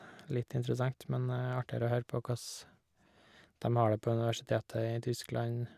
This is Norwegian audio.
Litt interessant, men artigere å høre på koss dem har det på universitetet i Tyskland.